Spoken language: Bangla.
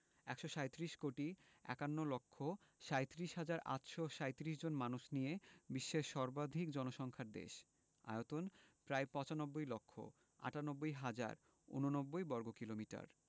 ১৩৭ কোটি ৫১ লক্ষ ৩৭ হাজার ৮৩৭ জন মানুষ নিয়ে বিশ্বের সর্বাধিক জনসংখ্যার দেশ আয়তন প্রায় ৯৫ লক্ষ ৯৮ হাজার ৮৯ বর্গকিলোমিটার